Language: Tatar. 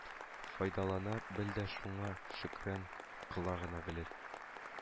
Файдалана бел дә шуңа шөкрана кыла гына бел